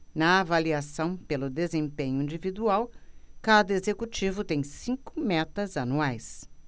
na avaliação pelo desempenho individual cada executivo tem cinco metas anuais